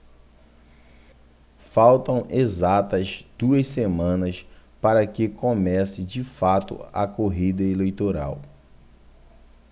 faltam exatas duas semanas para que comece de fato a corrida eleitoral